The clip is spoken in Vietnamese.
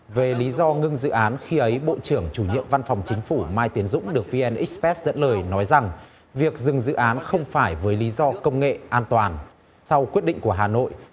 về lý do ngưng dự án khi ấy bộ trưởng chủ nhiệm văn phòng chính phủ mai tiến dũng được vi en ích pét dẫn lời nói rằng việc dừng dự án không phải với lý do công nghệ an toàn sau quyết định của hà nội